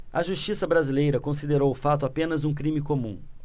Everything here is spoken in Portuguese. a justiça brasileira considerou o fato apenas um crime comum